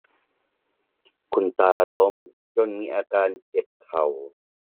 คุณตาล้มจนมีอาการเจ็บเข่า